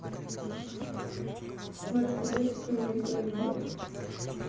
мерседес или бмв